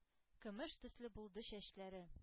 Көмеш төсле булды чәчләре.